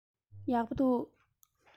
ཡག པོ འདུག